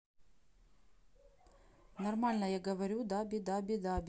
нормально я говорю www